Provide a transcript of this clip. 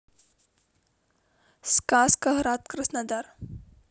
сказка град краснодар